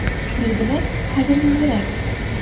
Билгеле, хәзер җиңелрәк.